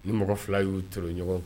Ni mɔgɔ fila y'u to ɲɔgɔn